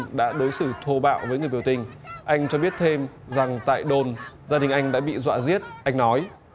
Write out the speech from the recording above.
đã đối xử thô bạo với người biểu tình anh cho biết thêm rằng tại đồn gia đình anh đã bị dọa giết anh nói